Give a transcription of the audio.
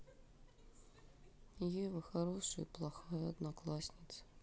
ева хорошая и плохая одноклассница